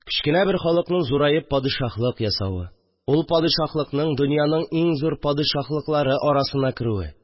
Кечкенә бер халыкның зураеп падишаһлык ясавы, ул падишаһлыкның дөньяның иң зур падишаһлыклары арасына керүе